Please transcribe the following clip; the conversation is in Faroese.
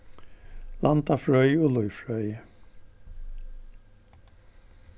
landafrøði og lívfrøði